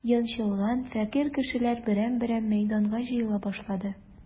Йончылган, фәкыйрь кешеләр берәм-берәм мәйданга җыела башлады.